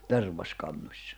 tervaskannossa